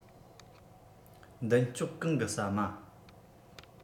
མདུན ལྕོག གང གི ཟ མ